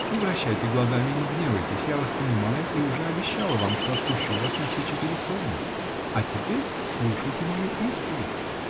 не вращайте глазами и не гневайтесь -- я вас понимаю и уже обещала вам, что отпущу вас на все четыре стороны, -- а теперь слушайте мою исповедь.